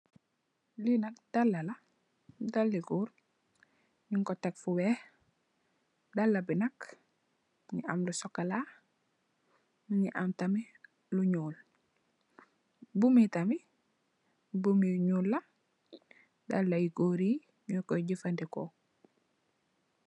Lii nak daalah la, daali gorre, njung kor tek fu wekh, daalah bii nak mungy am lu chocolat, mungy am tamit lu njull, buumi tamit buum yu njull la, daalah yii gorre yii njur koi jeufandehkor.